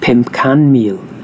pum can mil